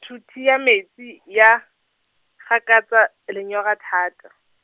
thothi ya metsi ya, gakatsa, lenyora thata.